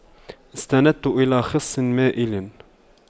استندت إلى خصٍ مائلٍ